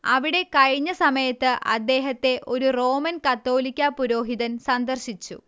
അവിടെ കഴിഞ്ഞ സമയത്ത് അദ്ദേഹത്തെ ഒരു റോമൻ കത്തോലിക്കാ പുരോഹിതൻ സന്ദർശിച്ചു